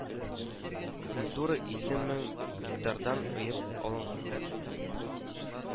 Культура илле мең гектардан ыеп алынган